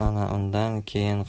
ana undan keyin